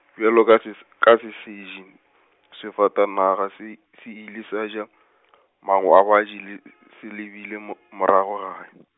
bjalo ka ses-, ka sesedi , sefatanaga se, se ile sa ja , magwabadi le, se lebile mo-, morago gae.